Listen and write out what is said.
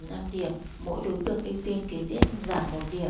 năm điểm mỗi đối tượng ưu tiên kế tiếp giảm một điểm